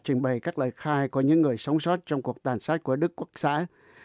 trình bày các lời khai của những người sống sót trong cuộc tàn sát của đức quốc xã